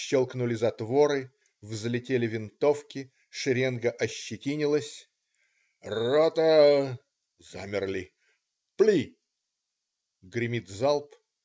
Щелкнули затворы, взлетели винтовки, шеренга ощетинилась. "Ротта,- замерли,- пли". Гремит залп.